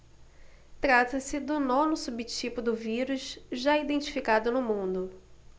trata-se do nono subtipo do vírus já identificado no mundo